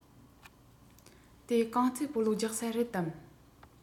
དེ རྐང རྩེད སྤོ ལོ རྒྱག ས རེད དམ